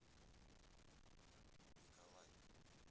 николай